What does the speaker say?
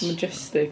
Majestic.